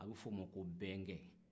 a bɛ f'o ma ko bɛnkɛ